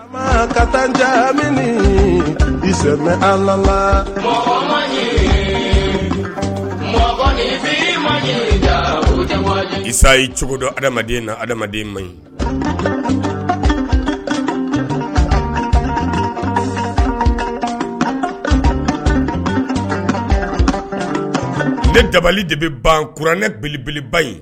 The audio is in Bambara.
Ka taa caman sɛ a la isayi cogoda adama na adama ma ɲi ne dabali de bɛ banuran ne belebeleba ye